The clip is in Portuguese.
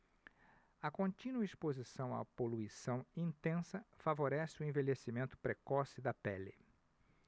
a contínua exposição à poluição intensa favorece o envelhecimento precoce da pele